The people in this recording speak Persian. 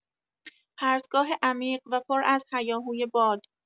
پرتگاه عمیق و پر از هیاهوی باد